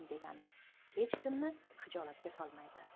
degani hech kimni xijolatga solmaydi